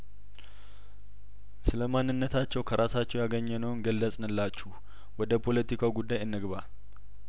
ስለማንነታቸው ከራሳቸው ያገኘ ነውን ገለጽንላችሁ ወደ ፖለቲካው ጉዳይእንግባ